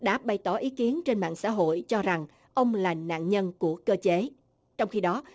đã bày tỏ ý kiến trên mạng xã hội cho rằng ông là nạn nhân của cơ chế trong khi đó